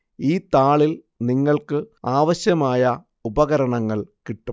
ഈ താളിൽ നിങ്ങൾക്ക് ആവശ്യമായ ഉപകരണങ്ങൾ കിട്ടും